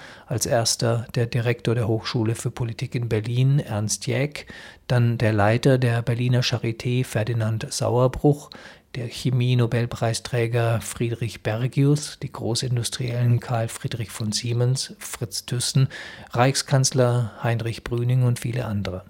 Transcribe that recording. als erster der Direktor der Hochschule für Politik in Berlin Ernst Jäckh, dann der Leiter der Berliner Charité Ferdinand Sauerbruch, der Chemie-Nobelpreisträger Friedrich Bergius, die Großindustriellen Carl Friedrich von Siemens, Fritz Thyssen, Reichskanzler Heinrich Brüning und viele andere